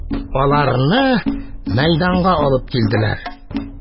Аларны мәйданга алып килделәр